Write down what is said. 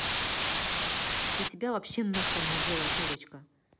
для тебя вообще нахрен не взяла дурочка